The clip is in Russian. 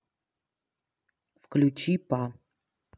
включи па